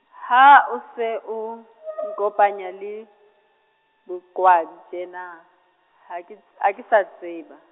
ha o se o, nkopanya le, boQwabi tjena, ha ke ts-, ha ke sa tseba.